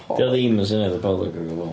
'Di o ddim yn swnio fatha Pollock o gwbl.